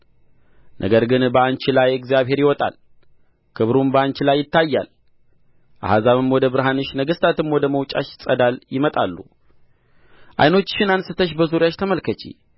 ነገር ግን በአንቺ ላይ እግዚአብሔር ይወጣል ክብሩም በአንቺ ላይ ይታያል አሕዛብም ወደ ብርሃንሽ ነገሥታትም ወደ መውጫሽ ጸዳል ይመጣሉ ዓይኖችሽን አንሥተሽ በዙሪያሽ ተመልከቺ